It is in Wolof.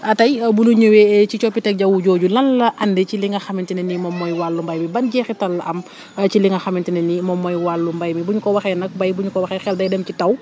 tey bu ñu ñëwee ci coppiteg jaww jooju lan la andi ci li nga xamante ne ni moom mooy wàllu mbéy mi ban jeexital la am ci li nga xamante ne nii moom mooy wàllu béy mi bu ñu ko waxee nag béy bu ñu ko waxee xel day dem ci taw